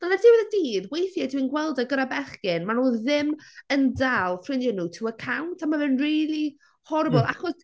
Ond ar diwedd dydd weithiau dwi'n gweld e gyda bechgyn mae nhw ddim yn dal ffrindiau nhw to account a mae fe'n really horrible achos...